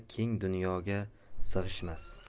keng dunyoga siyg'ishmas